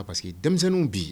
Pas parce que denmisɛnninw bi